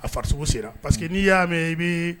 A farisogo sera parce que n'i y'a mɛn i b'i